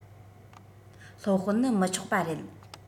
སློབ དཔོན ནི མི ཆོག པ རེད